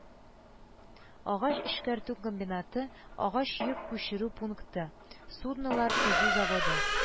Агач эшкәртү комбинаты, агач йөк күчерү пункты, суднолар төзү заводы